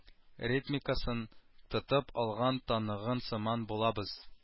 Ритмикасын тотып алган таныгын сыман булабыз